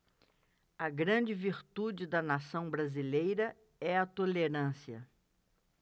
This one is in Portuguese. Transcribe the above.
a grande virtude da nação brasileira é a tolerância